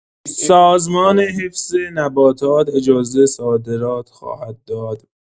سازمان حفظ نباتات اجازه صادرات خواهد داد.